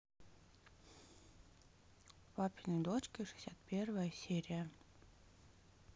папины дочки шестьдесят первая серия